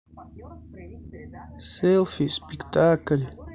селфи спектакль